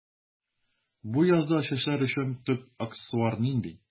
Бу язда чәчләр өчен төп аксессуар нинди?